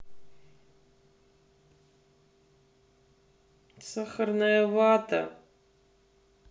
сахарная вата